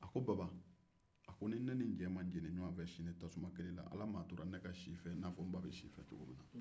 a ko baba ni ne ni n' cɛ ma jeni ɲɔgɔn fɛ sini tasuma kelen na ala ma a tora ne ka si i fɛ i n'a fɔ ne ba bɛ si i fɛ cogo min na